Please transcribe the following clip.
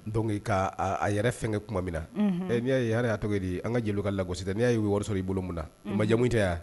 Dɔnc k'a yɛrɛ fɛnkɛ tuma min na n'i y'a ye hali a tɔgɔ ye di an ka jeliw ka lagosi tɛ n'i y'a u bɛ wari sɔrɔ i bolo mun na majamuli in tɛ wa.